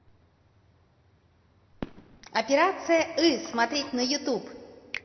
операция ы смотреть на ютуб